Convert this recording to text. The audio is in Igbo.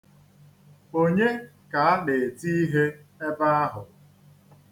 Onye ka a na-eti ihe ebe ahụ?